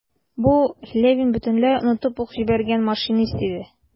Бу - Левин бөтенләй онытып ук җибәргән машинист иде.